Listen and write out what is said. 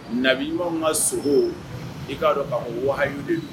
Nabi ɲuman ka sogo i k'a dɔn' ko waaayiw de